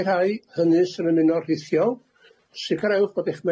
I'r rhai, hynny, sy'n ymuno'n rhithiol, sicrhewch bod eich